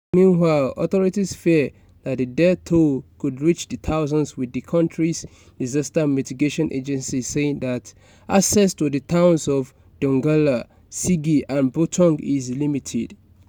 Meanwhile, authorities fear that the death toll could reach the thousands with the country's disaster mitigation agency saying that access to the the towns of Donggala, Sigi and Boutong is limited.